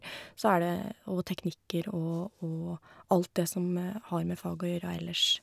Så er det òg teknikker og og alt det som har med faget å gjøre ellers.